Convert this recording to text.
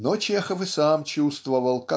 Но Чехов и сам чувствовал